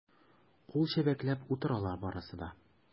Кул чәбәкләп утыралар барысы да.